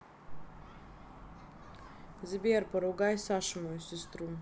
сбер поругай сашу мою сестру